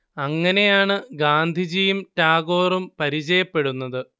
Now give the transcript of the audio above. അങ്ങനെയാണ് ഗാന്ധിജിയും ടാഗോറും പരിചയപ്പെടുന്നത്